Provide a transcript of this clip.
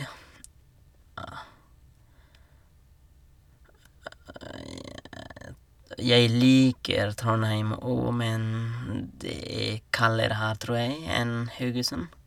je Jeg liker Trondheim òg, men det er kaldere her, tror jeg, enn Haugesund.